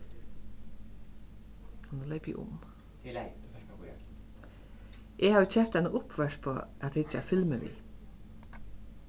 eg havi keypt eina uppvørpu at hyggja at filmum við